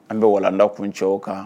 An bɛ walanda kun cɛ o kan.